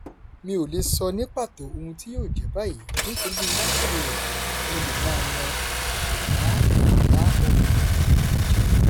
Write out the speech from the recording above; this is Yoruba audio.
Mi ò leè sọ ní pàtó ohun tí yóò jẹ́ báyìí nítorí bí mo bá kédee rẹ̀, mo lè máa yan ìṣẹ̀dá ẹ̀dá ọmọ ènìyàn jẹ.